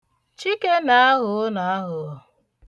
Chike na-aghọ unu aghụghọ.